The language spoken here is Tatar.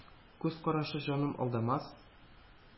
Күз карашы, җаным, алдамас.